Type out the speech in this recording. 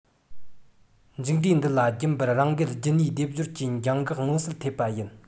མཇུག འབྲས འདི ལ རྒྱུན པར རང དགར རྒྱུད གཉིས སྡེབ སྦྱོར གྱི འགྱངས འགག མངོན གསལ ཐེབས པ ཡིན